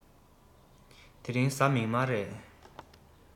དེ རིང གཟའ མིག དམར རེད